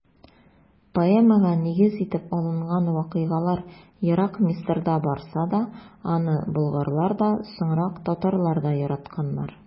Поэмага нигез итеп алынган вакыйгалар ерак Мисырда барса да, аны болгарлар да, соңрак татарлар да яратканнар.